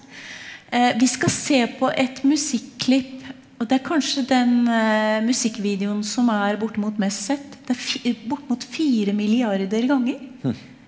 vi skal se på et musikklipp og det er kanskje den musikkvideoen som er bortimot mest sett det er bortimot fire milliarder ganger.